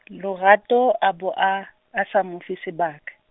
Lorato a bo a, a sa mo fe sebaka.